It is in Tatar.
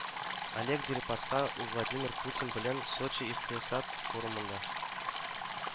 Олег Дерипаска у Владимир Путин белән Сочи икътисад форумында